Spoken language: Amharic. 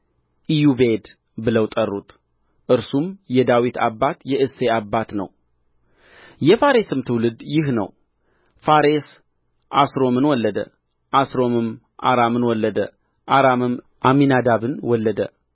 ኢዮቤድ ብለው ጠሩት እርሱም የዳዊት አባት የእሴይ አባት ነው የፋሬስም ትውልድ ይህ ነው ፋሬስ ኤስሮምን ወለደ ኤስሮምም አራምን ወለደ አራምም አሚናዳብን ወለደ